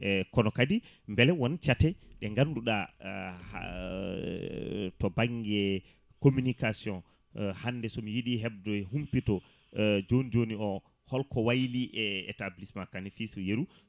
e kono kadi beele won caate ɗe ganduɗa ha to banggue communication hande somi yiiɗi hebde humpito joni joni o holko wayli e établissement Kane et fils yeeru